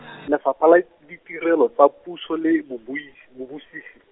Lefapha la Ditirelo tsa Puso le Babuisi, Bobosisi.